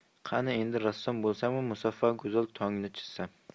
qani endi rassom bo'lsamu musaffo go'zal tongni chizsam